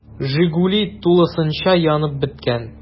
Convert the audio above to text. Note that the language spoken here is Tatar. “жигули” тулысынча янып беткән.